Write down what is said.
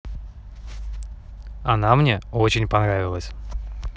она мне очень понравилась